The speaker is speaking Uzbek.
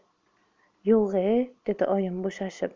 yo'g' e dedi oyim bo'shashib